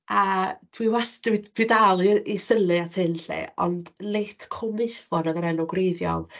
A dwi wast- dwi dwi dal i i synnu at hyn 'lly, ond nid Cwm Maethlon oedd yr enw gwreiddiol.